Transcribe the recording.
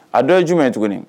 A dɔ ye jumɛn ye tuguni